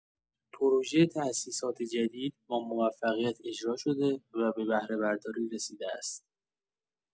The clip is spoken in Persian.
پروژه تاسیسات جدید با موفقیت اجراشده و به بهره‌برداری رسیده است.